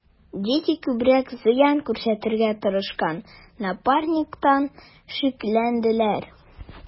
Дикий күбрәк зыян күрсәтергә тырышкан Напарниктан шикләнделәр.